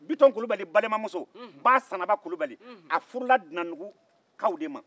bitɔn kulubali balema muso basanaba kulubali a furula dunandugu kaw de ma